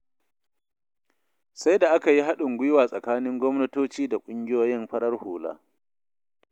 Sai da aka yi haɗin gwiwa tsakanin gwamnatoci da ƙungiyoyin farar hula.